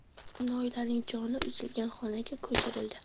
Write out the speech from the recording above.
noilaning joni uzilgan xonaga ko'chirilibdi